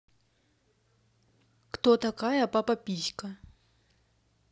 кто такая папа писька